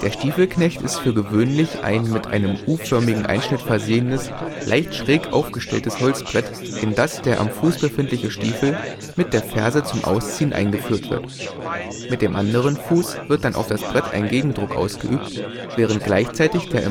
Stiefelknecht ist für gewöhnlich ein mit einem U-förmigen Einschnitt versehenes, leicht schräg aufgestelltes Holzbrett, in das der am Fuß befindliche Stiefel mit der Ferse zum Ausziehen eingeführt wird. Mit dem anderen Fuß wird dann auf das Brett ein Gegendruck ausgeübt, während gleichzeitig der